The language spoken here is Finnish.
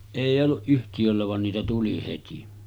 ei ollut yhtiöllä vaan niitä tuli heti